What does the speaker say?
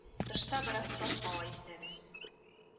Тышта бераз саф һава иснәде